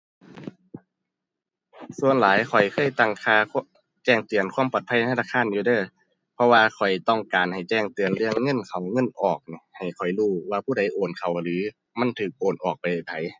ส่วนหลายข้อยเคยตั้งค่า แจ้งเตือนความปลอดภัยในธนาคารอยู่เด้อ เพราะว่าข้อยต้องการให้แจ้งเตือนเรื่องเงินเข้าเงินออกเนาะ ให้ข้อยรู้ว่าผู้ใดโอนเข้าหรือมันถูกโอนออกไปให้ไผ